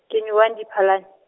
ke ne one Diphalane.